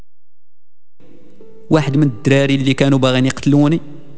واحد من اللي كانوا يقتلون